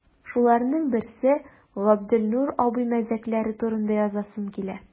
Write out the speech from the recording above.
Шуларның берсе – Габделнур абый мәзәкләре турында язасым килә.